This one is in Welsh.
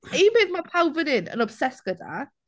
Un peth mae pawb fan hyn yn obsessed gyda...